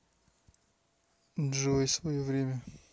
джой свое время